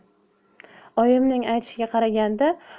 oyimning aytishiga qaraganda